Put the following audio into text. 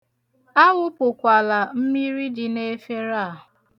Awụpukwala mmiri dị n'efere a.